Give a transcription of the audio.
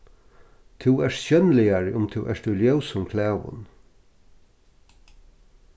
tú ert sjónligari um tú ert í ljósum klæðum